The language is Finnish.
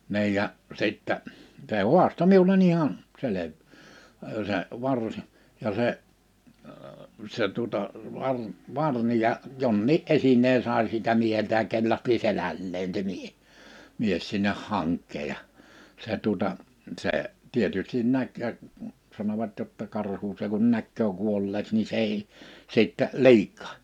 niin ja sitten se haastoi minulle ihan -- se varsi ja se se tuota - varni ja jonkin esineen sai siltä mieheltä ja kellahti selälleen se - mies sinne hankeen ja se tuota se tietysti näki ja sanovat jotta karhu se kun näkee kuolleeksi niin se ei sitten liikahda